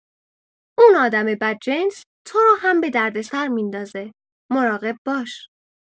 اون آدم بدجنس تو رو هم به دردسر میندازه، مراقب باش.